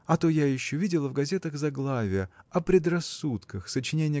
а то я еще видела в газетах заглавие – О Предрассудках, соч.